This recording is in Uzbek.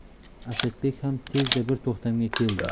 asadbek ham tezda bir to'xtamga keldi